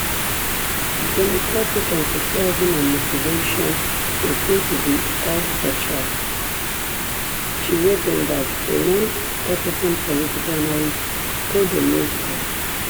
"Democratic enthusiasm and motivation is going to be off the chart," Stu Rothenberg, a nonpartisan political analyst, told the news site.